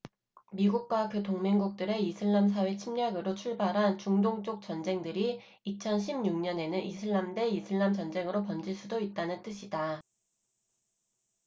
미국과 그 동맹국들의 이슬람사회 침략으로 출발한 중동 쪽 전쟁들이 이천 십 육 년에는 이슬람 대 이슬람 전쟁으로 번질 수도 있다는 뜻이다